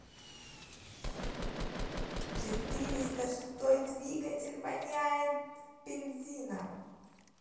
четыреста шестой двигатель воняет двигателем бензином